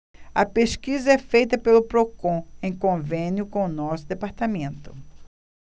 a pesquisa é feita pelo procon em convênio com o diese